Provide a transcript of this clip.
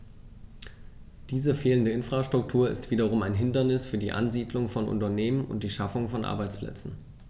Diese fehlende Infrastruktur ist wiederum ein Hindernis für die Ansiedlung von Unternehmen und die Schaffung von Arbeitsplätzen.